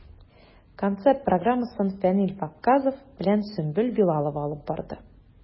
Концерт программасын Фәнил Ваккасов белән Сөмбел Билалова алып барды.